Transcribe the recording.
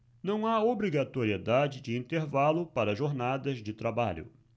não há obrigatoriedade de intervalo para jornadas de trabalho